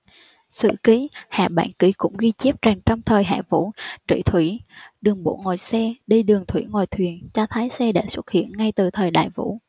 sử ký hạ bản kỉ cũng ghi chép rằng trong thời hạ vũ trị thủy đi đường bộ ngồi xe đi đường thủy ngồi thuyền cho thấy xe đã xuất hiện ngày từ thời đại vũ